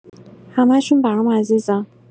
همه‌شون برام عزیزن.